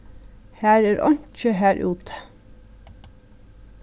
har er einki har úti